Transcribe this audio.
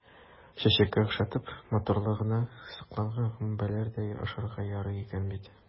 Чәчәккә охшатып, матурлыгына сокланган гөмбәләр дә ашарга ярый икән бит!